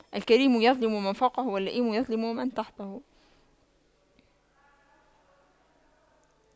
الكريم يظلم من فوقه واللئيم يظلم من تحته